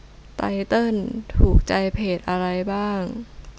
ไตเติ้ลถูกใจเพจอะไรบ้าง